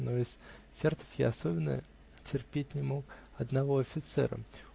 Но из фертов я особенно терпеть не мог одного офицера.